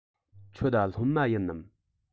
ཁྱོད སློབ མ ཡིན ནམ